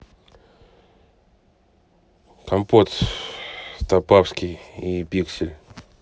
компот топавский и пиксель